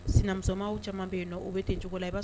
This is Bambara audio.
Sinamusomaw caman bɛ yen nɔ u bɛ tɛ cogo la i b'a